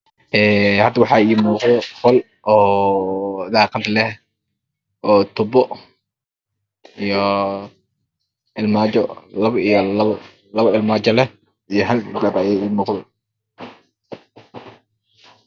Hada waxa iimuqdo qol daaqad leh tubo labo iyo labo armaajo leh labo armaajo leh hal albab